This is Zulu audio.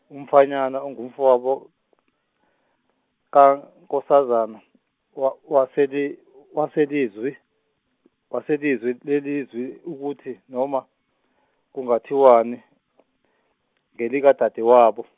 umfanyana ongumfowabo kaNkoszane, wa- waseli- waselizwi, waselizwi lelizwi ukuthi noma, kungathiwani elikadadewabo.